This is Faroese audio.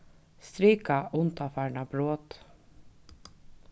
strika undanfarna brot